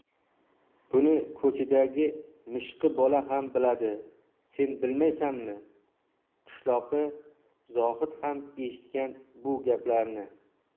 buni ko'chadagi mishiqi bola ham biladi sen bilmaysanmi qishloqi zohid ham eshitgan bu gaplarni